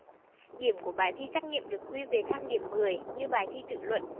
điểm của bài thi trắc nghiệm được quy về thang điểm mười như bài thi tự luận